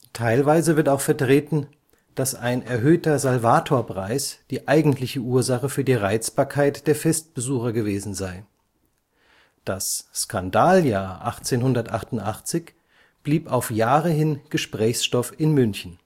Teilweise wird auch vertreten, dass ein erhöhter Salvatorpreis die eigentliche Ursache für die Reizbarkeit der Festbesucher gewesen sei. Das „ Skandaljahr “1888 blieb auf Jahre hin Gesprächsstoff in München